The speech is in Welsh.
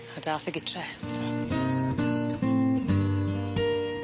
A dath e gytre.